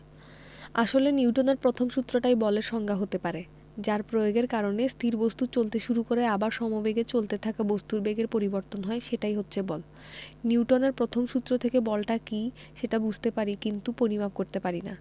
আসলে নিউটনের প্রথম সূত্রটাই বলের সংজ্ঞা হতে পারে যার প্রয়োগের কারণে স্থির বস্তু চলতে শুরু করে আর সমবেগে চলতে থাকা বস্তুর বেগের পরিবর্তন হয় সেটাই হচ্ছে বল নিউটনের প্রথম সূত্র থেকে বলটা কী সেটা বুঝতে পারি কিন্তু পরিমাপ করতে পারি না